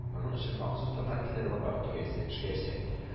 Моның өчен махсус татар теле лабораториясе эшләячәк